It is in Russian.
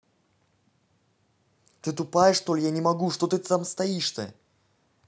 ты тупая что ли я не пойму что ты там стоишь то